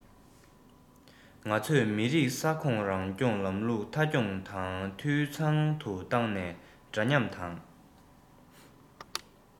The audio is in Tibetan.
ང ཚོས མི རིགས ས ཁོངས རང སྐྱོང ལམ ལུགས མཐའ འཁྱོངས དང འཐུས ཚང དུ བཏང ནས འདྲ མཉམ དང